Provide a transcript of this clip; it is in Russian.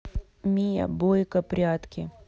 мия бойко прятки